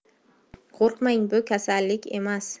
qo'rqmang bu kasallik emas